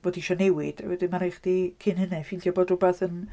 Bod isio newid. A wedyn mae'n rhaid i chdi cyn hynna ffeindio bod rhywbeth yn...